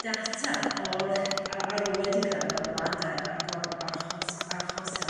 data o'r ar ôl wedi gwrado ar blant a ag o'r arch- archosion